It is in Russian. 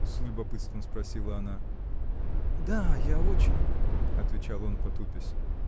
— с любопытством спросила она. — Да, я очень. — отвечал он, потупясь.